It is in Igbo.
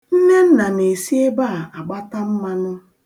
Nnenna na-esi ebe a agbata mmanụ.